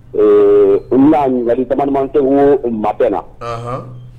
Ee n' ɲa takɛ ko ma bɛ na